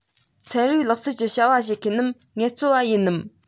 ཚན རིག ལག རྩལ གྱི ལས ཀ བྱེད མཁན རྣམས ངལ རྩོལ པ ཡིན ནམ